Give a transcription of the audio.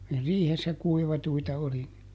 ne riihessä kuivattuja oli niin